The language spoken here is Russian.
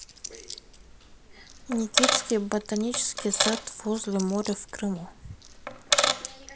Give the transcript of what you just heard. никитский ботанический сад возле моря в крыму